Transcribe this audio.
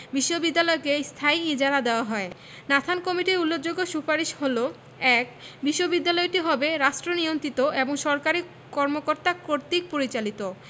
বিশ্ববিদ্যালয়কে স্থায়ী ইজারা দেওয়া হয় নাথান কমিটির উল্লেখযোগ্য সুপারিশ হলো: ১. বিশ্ববিদ্যালয়টি হবে রাষ্ট্রনিয়ন্ত্রিত ও সরকারি কর্মকর্তা কর্তৃক পরিচালিত